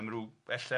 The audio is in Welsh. yym ryw ella